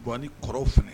Don ni kɔrɔw fana